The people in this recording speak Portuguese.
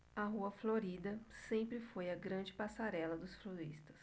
a rua florida sempre foi a grande passarela dos turistas